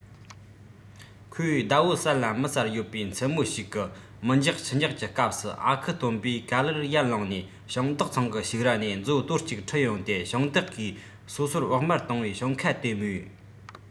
ཁོས ཟླ འོད གསལ ལ མི གསལ ཡོད པའི མཚན མོ ཞིག གི མི འཇགས ཁྱི འཇགས ཀྱི སྐབས སུ ཨ ཁུ སྟོན པས ག ལེར ཡར ལངས ནས ཞིང བདག ཚང གི ཕྱུགས ར ནས མཛོ དོར གཅིག ཁྲིད ཡོང སྟེ ཞིང བདག གིས སོ སོར བོགས མར བཏང བའི ཞིང ཁ དེ རྨོས